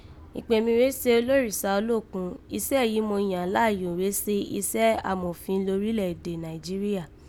Ìkpè mi rèé se olórìsà olókun, isé yìí mo yàn láàyò rèé se isẹ́ Amòfin lórílẹ̀ èdè Nàìjíríà